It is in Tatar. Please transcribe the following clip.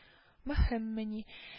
Мөһэммени